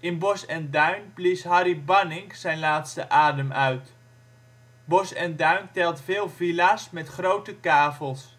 In Bosch en Duin blies Harry Bannink zijn laatste adem uit. Bosch en Duin telt veel villa 's met grote kavels